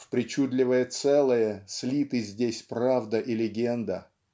В причудливое целое слиты здесь правда и легенда